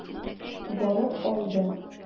Барып алды.